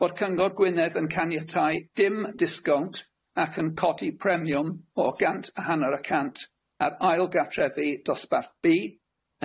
Bod Cyngor Gwynedd yn caniatáu dim disgownt ac yn codi premiwm o gant a hanner y cant ar ail-gartrefi dosbarth Bee,